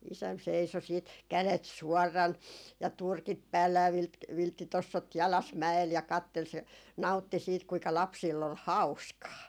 isän seisoi sitten kädet suorana ja turkit päällä ja - vilttitossut jalassa mäellä ja katseli se nautti siitä kuinka lapsilla oli hauskaa